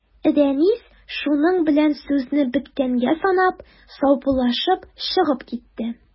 Рәнис, шуның белән сүзне беткәнгә санап, саубуллашып чыгып китте.